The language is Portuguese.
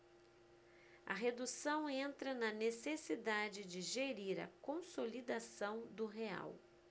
a redução entra na necessidade de gerir a consolidação do real